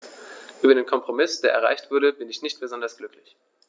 Über den Kompromiss, der erreicht wurde, bin ich nicht besonders glücklich.